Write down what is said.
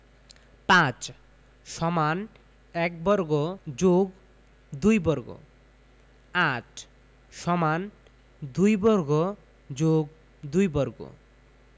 ৫ = ১ বর্গ + ২ বর্গ ৮ = ২ বর্গ + ২ বর্গ